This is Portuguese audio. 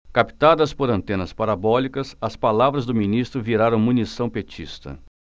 captadas por antenas parabólicas as palavras do ministro viraram munição petista